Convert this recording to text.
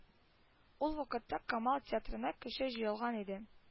Ул вакытта камал театрына кеше җыелган иде